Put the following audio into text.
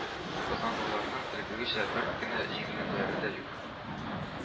Казанлыларның элеккегечә бер генә җиңелүләре дә юк